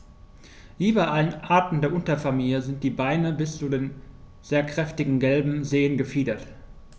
Wie bei allen Arten der Unterfamilie sind die Beine bis zu den sehr kräftigen gelben Zehen befiedert.